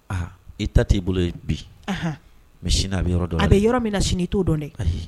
Aa i ta t' i bolo ye bi mɛina a bɛ yɔrɔ dɔn a bɛ yɔrɔ min na sini' t'o dɔn dɛ ayi